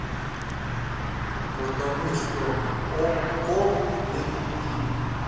потому что okko не тупи